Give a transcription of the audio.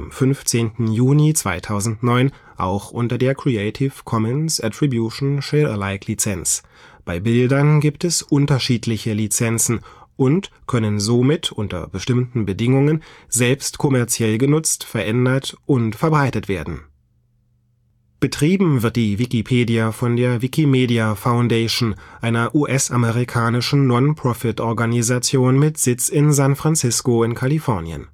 15. Juni 2009 auch unter der Creative-Commons-Attribution-ShareAlike-Lizenz (CC-BY-SA), bei Bildern gibt es unterschiedliche Lizenzen – und können somit (unter bestimmten Bedingungen) selbst kommerziell genutzt, verändert und verbreitet werden. Betrieben wird die Wikipedia von der Wikimedia Foundation, Inc., einer US-amerikanischen Non-Profit-Organisation mit Sitz in San Francisco, Kalifornien